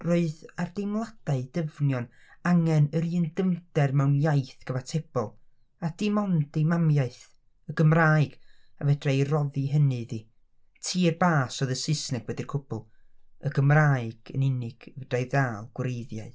Roedd ar deimladau dyfnion angen yr un dyfnder mewn iaith gyfatebol, a dim ond ei mamiaith, y Gymraeg a fedrai roddi hynny iddi. Tir bas oedd y Saesneg wedi'r cwbl. Y Gymraeg yn unig fedrai ddal gwreiddiau.